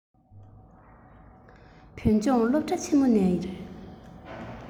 བོད ལྗོངས སློབ གྲྭ ཆེན མོ ནས རེད